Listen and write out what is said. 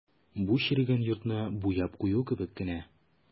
Бу черегән йортны буяп кую кебек кенә.